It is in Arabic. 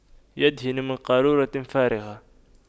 يدهن من قارورة فارغة